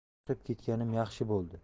chiqib ketganim yaxshi bo'ldi